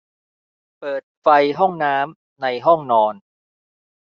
เปิดไฟห้องน้ำในห้องนอน